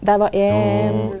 der var ein.